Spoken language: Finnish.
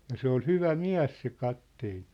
ja se oli hyvä mies se kapteeni